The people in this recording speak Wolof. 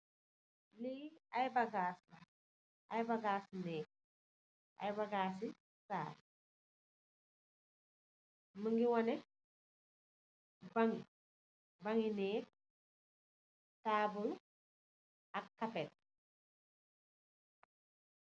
Lee aye bagass la, aye bagass se neek , aye bagass se saal, nuge wanee bank bankgi neek, table ak carpet.